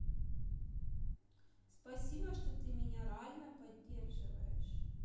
спасибо что ты меня рально поддерживаешь